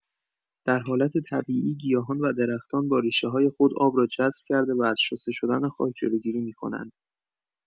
در حالت طبیعی، گیاهان و درختان با ریشه‌های خود آب را جذب کرده و از شسته شدن خاک جلوگیری می‌کنند.